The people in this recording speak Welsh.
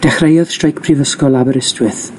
Dechreuodd streic prifysgol Aberystwyth